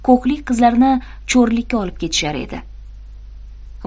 ko'hlik qizlarni cho'rilikka olib ketishar edi